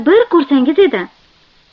bir ko'rsangiz edi